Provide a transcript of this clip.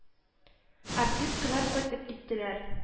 Артисткалар кайтып киттеләр